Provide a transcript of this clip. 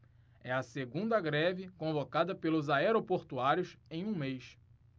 é a segunda greve convocada pelos aeroportuários em um mês